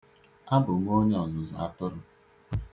Abụ m onye ọzụzụ atụru.̣